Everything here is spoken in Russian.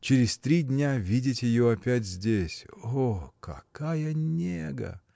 Через три дня видеть ее опять здесь. О, какая нега!